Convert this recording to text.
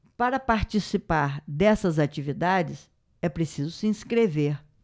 para participar dessas atividades é preciso se inscrever